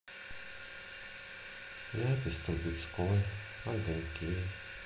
ляпис трубецкой огоньки